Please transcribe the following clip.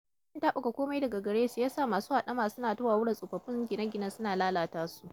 Rashin taɓuka komai daga gare su ya sa masu haɗama suna ta wawurar tsofaffin gine-ginen suna lalata su.